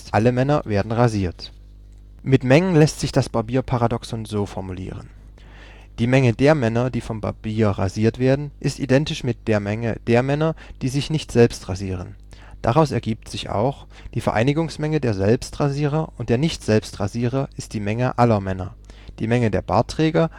Alle Männer werden rasiert.) Mit Mengen lässt sich das Barbier-Paradoxon so formulieren: Die Menge der Männer, die vom Barbier rasiert werden, ist identisch mit der Menge der Männer, die sich nicht selbst rasieren. (Daraus ergibt sich auch: Die Vereinigungsmenge der Selbstrasierer und der Nicht-Selbstrasierer ist die Menge aller Männer. Die Menge der Bartträger